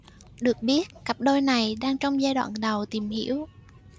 được biết cặp đôi này đang trong giai đoạn đầu tìm hiểu